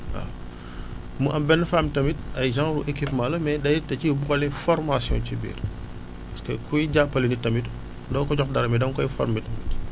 waaw mu am benn femme tamit ay genre équipement la mais day tëj ci boole formation ci biirb parce que kuy jàppale nit tamit doo ko jox dara mais da nga koy former tamit